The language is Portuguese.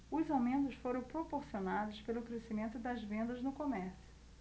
os aumentos foram proporcionados pelo crescimento das vendas no comércio